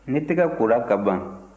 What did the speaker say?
ne tɛgɛ kora kaban